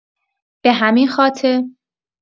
به همین خاطر